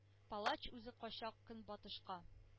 Палач үзе кача көнбатышка,